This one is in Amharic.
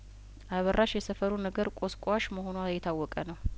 አበራሽ የሰፈሩ ነገር ቆስቋሽ መሆኗ የታወቀ ነው